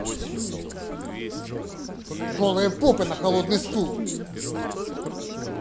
голые попы на холодный стул